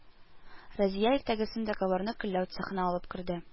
Разия иртәгесен договорны көлләү цехына алып керде